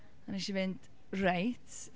A wnes i fynd, reit?